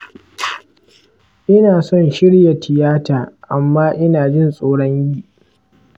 ina son shirya tiyatata amma ina jin tsoron yi.